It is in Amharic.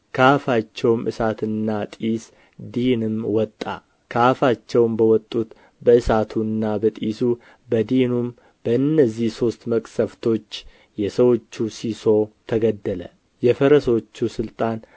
ከአፋቸውም እሳትና ጢስ ዲንም ወጣ ከአፋቸውም በወጡት በእሳቱና በጢሱ በዲኑም በእነዚህ ሦስት መቅሰፍቶች የሰዎቹ ሲሶ ተገደለ የፈረሶቹ ሥልጣን